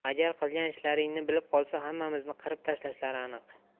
agar qilgan ishlaringni bilib qolsa hammamizni qirib tashlashlari aniq